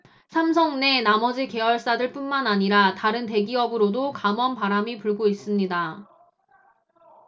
삼성 내 나머지 계열사들뿐만 아니라 다른 대기업으로도 감원바람이 불고 있습니다